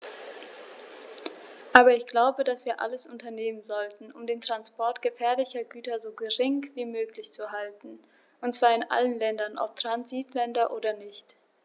Aber ich glaube, dass wir alles unternehmen sollten, um den Transport gefährlicher Güter so gering wie möglich zu halten, und zwar in allen Ländern, ob Transitländer oder nicht.